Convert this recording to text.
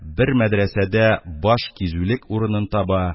Бер мәдрәсәдә баш кизүлек урынын таба,